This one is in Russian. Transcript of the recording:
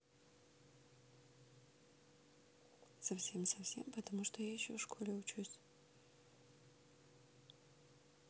совсем совсем потому что я еще в школе учусь